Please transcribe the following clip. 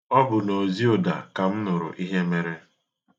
Ọ bụ n'oziụda ka m nụrụ ihe mere.